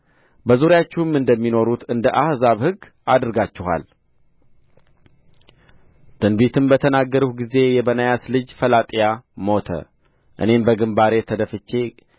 በዙሪያችሁም እንደሚኖሩት እንደ አሕዛብ ሕግ አድርጋችኋል ትንቢትም በተናገርሁ ጊዜ የበናያስ ልጅ ፈላጥያ ሞተ እኔም በግምባሬ ተደፍቼ